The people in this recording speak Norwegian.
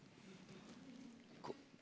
kor?